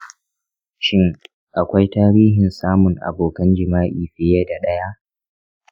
shin akwai tarihin samun abokan jima'i fiye da ɗaya?